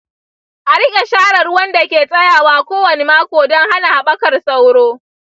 a rika share ruwan da ke tsayawa kowane mako don hana haɓakar sauro.